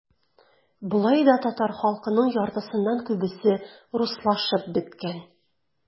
Болай да татар халкының яртысыннан күбесе - руслашып беткән.